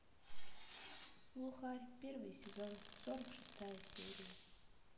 глухарь первый сезон сорок шестая серия